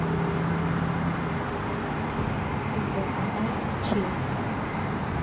тв канал че